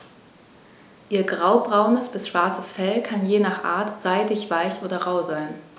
Ihr graubraunes bis schwarzes Fell kann je nach Art seidig-weich oder rau sein.